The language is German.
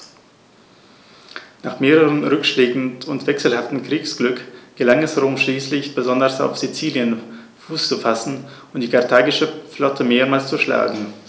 Nach mehreren Rückschlägen und wechselhaftem Kriegsglück gelang es Rom schließlich, besonders auf Sizilien Fuß zu fassen und die karthagische Flotte mehrmals zu schlagen.